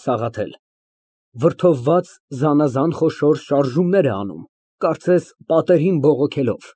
ՍԱՂԱԹԵԼ ֊ (Վրդովված՝ զանազան խոշոր շարժումներ է անում, կարծես պատերին բողոքելով)